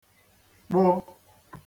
kpụ